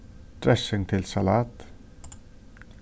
dressing til salat